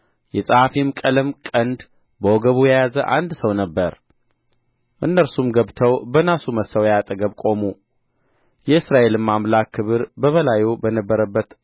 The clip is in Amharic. የጸሐፊም ቀለም ቀንድ በወገቡ የያዘ አንድ ሰው ነበረ እነርሱም ገብተው በናሱ መሠዊያ አጠገብ ቆሙ የእስራኤልም አምላክ ክብር በበላዩ ከነበረበት